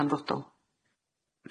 hanfodol.